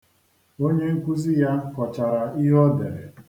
Onye nkuzi ya kọchara ihe o dere.